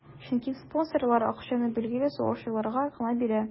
Чөнки спонсорлар акчаны билгеле сугышчыларга гына бирә.